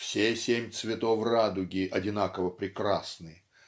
Все семь цветов радуги одинаково прекрасны